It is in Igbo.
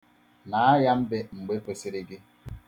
Naa ya mbe mgbe kwesịrị gị.